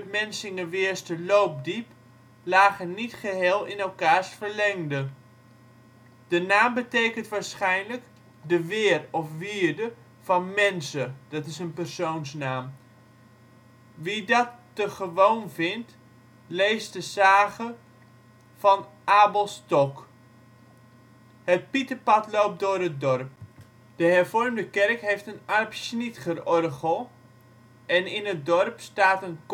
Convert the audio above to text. Mensingeweersterloopdiep) lagen niet geheel in elkaars verlengde. De naam betekent waarschijnlijk: de weer (wierde) van Menze (= persoonsnaam). Wie dat te gewoon vindt, leest de sage van Abel Stok. Het Pieterpad loopt door het dorp. De hervormde kerk heeft een Arp Schnitgerorgel en in het dorp staat een